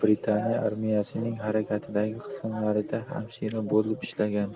britaniya armiyasining harakatdagi qismlarida hamshira bo'lib ishlagan